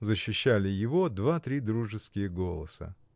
— защищали его два-три дружеские голоса.